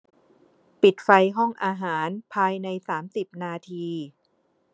ปิดไฟห้องอาหารภายในสามสิบนาที